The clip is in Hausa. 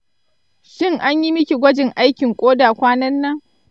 shin an yi miki gwajin aikin koda kwanan nan?